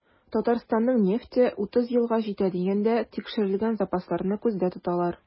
Татарстанның нефте 30 елга җитә дигәндә, тикшерелгән запасларны күздә тоталар.